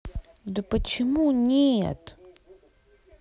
да почему нет